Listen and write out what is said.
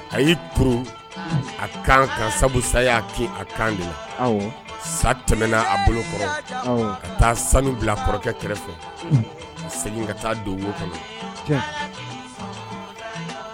A y'i poroo a ka kan sabu sa y'a kin a kan de la awɔ sa tɛmɛna a bolo kɔrɔ awɔ ka taa sanu bila kɔrɔkɛ kɛrɛfɛ unhun segin ka taa don wo kɔnɔ tiɲɛ